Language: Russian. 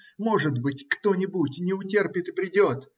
Может быть, кто-нибудь не утерпит и приедет.